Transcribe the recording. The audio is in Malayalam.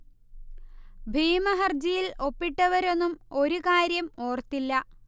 ഭീമ ഹർജിയിൽ ഒപ്പിട്ടവരൊന്നും ഒരു കാര്യം ഓർത്തില്ല